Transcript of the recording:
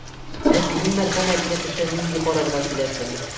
Ә син, мәрхәмәтле кеше, нинди карарга киләсең?